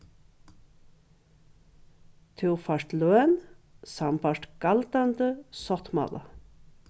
tú fært løn sambært galdandi sáttmála